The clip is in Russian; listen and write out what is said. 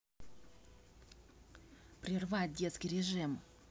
прервать детский режим